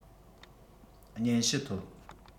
སྙན ཞུ ཐོབ